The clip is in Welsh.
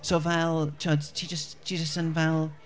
So fel, timod, ti jyst ti jyst yn fel...